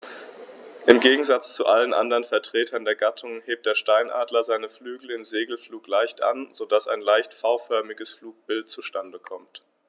Im Gegensatz zu allen anderen Vertretern der Gattung hebt der Steinadler seine Flügel im Segelflug leicht an, so dass ein leicht V-förmiges Flugbild zustande kommt.